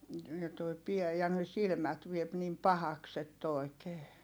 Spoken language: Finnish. ja tuo pää ja ne silmät vie niin pahaksi että oikein